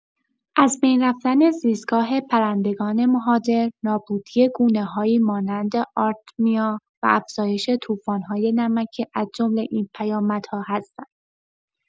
از بین رفتن زیستگاه پرندگان مهاجر، نابودی گونه‌هایی مانند آرتمیا و افزایش طوفان‌های نمکی از جمله این پیامدها هستند.